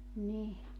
niin